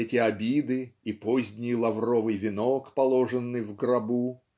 эти обиды и поздний лавровый венок положенный в гробу